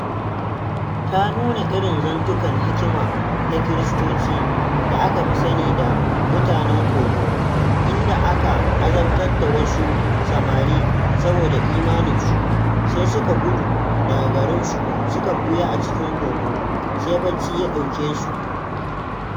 Ta nuna irin zantukan hikima na Kiristoci da aka fi sani da 'mutanen Kogo', inda aka azabtar da wasu samari saboda imaninsu, sai suka gudu daga garinsu suka ɓuya a cikin kogo, sai bacci ya ɗauke su.